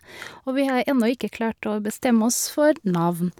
Og vi har ennå ikke klart å bestemme oss for navn.